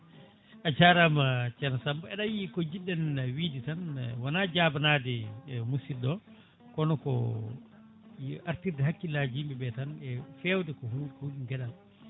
a jarama ceerno Samba ayi ko jiɗɗen wiide tan wona jabanade musidɗo o kono ko artirde hakkillaji yimɓeɓe tan e fewde ko ɗum ko ɗum gueɗal